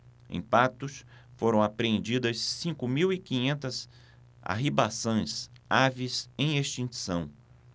em patos foram apreendidas cinco mil e quinhentas arribaçãs aves em extinção